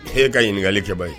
He ka ɲininkakalikɛba ye